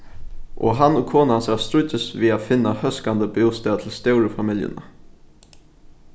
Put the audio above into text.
og hann og kona hansara stríddust við at finna hóskandi bústað til stóru familjuna